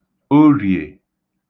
orìè